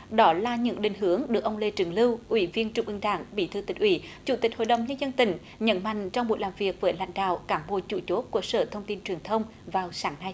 đó là những định hướng được ông lê trường lưu ủy viên trung ương đảng bí thư tỉnh ủy chủ tịch hội đồng nhân dân tỉnh nhấn mạnh trong buổi làm việc với lãnh đạo cán bộ chủ chốt của sở thông tin truyền thông vào sáng nay